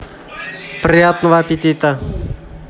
приятного аппетита